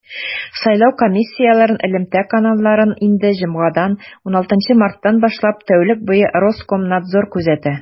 Сайлау комиссияләрен элемтә каналларын инде җомгадан, 16 марттан башлап, тәүлек буе Роскомнадзор күзәтә.